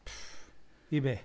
I be?